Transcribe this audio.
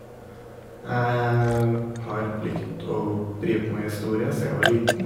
Jeg har likt å drive på med historie sia jeg var liten.